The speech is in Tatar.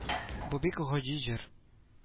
Бу бик гади җыр